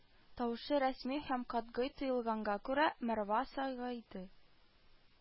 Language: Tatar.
Тавышы рәсми һәм катгый тоелганга күрә, Марва саргайды: